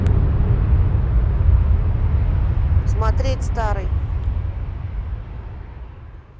смотреть старый